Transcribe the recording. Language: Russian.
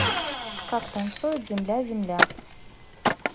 как танцуют земля земля